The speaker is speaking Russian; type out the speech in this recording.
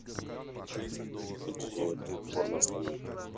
найди на ютуб порно с конями